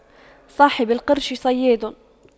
صاحب القرش صياد